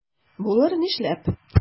Булыр, нишләп?